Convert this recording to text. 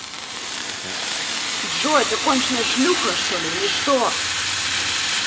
джой ты конченная шлюха что ли или что